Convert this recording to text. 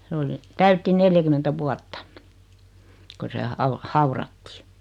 se oli täytti neljäkymmentä vuotta kun se - haudattiin